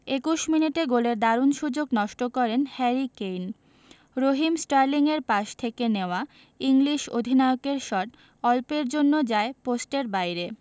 ২১ মিনিটে গোলের দারুণ সুযোগ নষ্ট করেন হ্যারি কেইন রহিম স্টার্লিংয়ের পাস থেকে নেওয়া ইংলিশ অধিনায়কের শট অল্পের জন্য যায় পোস্টের বাইরে